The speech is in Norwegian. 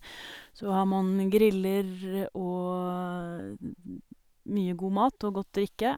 Så har man griller og mye god mat og godt drikke.